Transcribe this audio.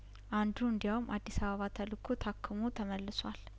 አንዱ እንዲያውም አዲስ አበባ ተልኮ ታክሞ ተመልሷል